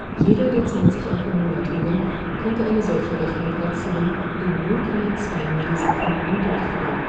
Jeder der 20 Akkumulatoren konnte eine solche Rechenoperation in 0,2 Millisekunden durchführen